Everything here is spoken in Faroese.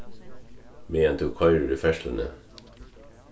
meðan tú koyrir í ferðsluni